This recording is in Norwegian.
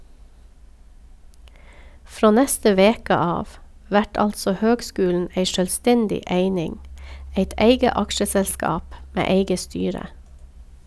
Frå neste veke av vert altså høgskulen ei sjølvstendig eining, eit eige aksjeselskap med eige styre.